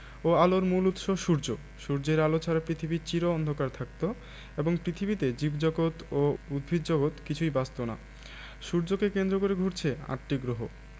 ও আলোর মূল উৎস সূর্য সূর্যের আলো ছাড়া পৃথিবী চির অন্ধকার থাকত এবং পৃথিবীতে জীবজগত ও উদ্ভিদজগৎ কিছুই বাঁচত না সূর্যকে কেন্দ্র করে ঘুরছে আটটি গ্রহ